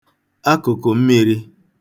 akụ̀kụ̀ mmīrī